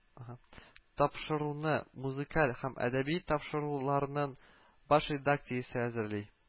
Тапшыруны музыкаль һәм әдәби тапшыруларның баш редакциясе әзерли